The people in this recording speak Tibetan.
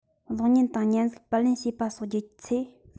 གློག བརྙན དང བརྙན གཟུགས པར ལེན བྱེད པ སོགས བགྱི ཚེ